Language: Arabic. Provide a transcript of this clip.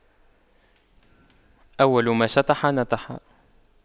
أول ما شطح نطح